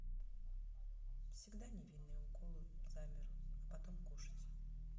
всегда невинные уколы замер а потом кушать